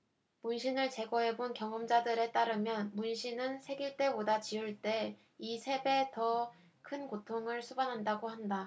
문신을 제거해 본 경험자들에 따르면 문신은 새길 때보다 지울 때 이 세 배 더 큰 고통을 수반한다고 한다